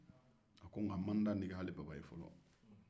nk n ma n dantigɛ hali baba ye fɔlɔ